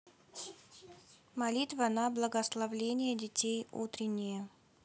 молитва на благословление детей утреннее